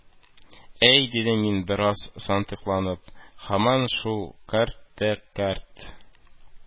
- әй, - дидем мин, бераз сантыйкланып, - һаман шул кәрт тә кәрт